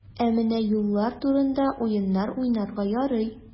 Ә менә юллар турында уеннар уйнарга ярый.